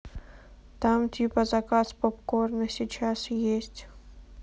там типа заказ попкорна сейчас есть